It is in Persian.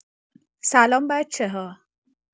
سلام بچه‌ها!